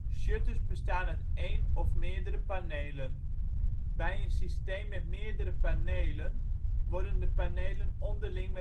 Shutters bestaan uit 1 of meerdere panelen. Bij een systeem met meerdere panelen worden de panelen onderling